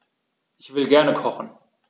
Ich will gerne kochen.